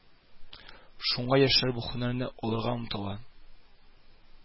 Шуңа яшьләр бу һөнәрне алырга омтыла